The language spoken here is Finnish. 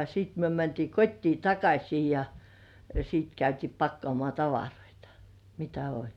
sitten me mentiin kotiin takaisin ja sitten käytiin pakkaamaan tavaroita mitä oli